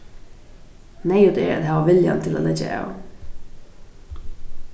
neyðugt er at hava viljan til at leggja av